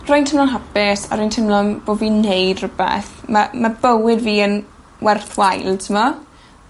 Rwy'n teimlo'n hapus a rwy'n teimlo'n bo' fi'n neud rwbeth ma' ma' bywyd fi yn werth wheil t'mo'?